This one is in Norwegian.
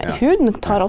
ja ja.